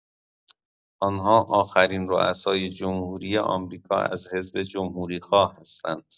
آنها آخرین روسای جمهوری آمریکا از حزب جمهوریخواه هستند.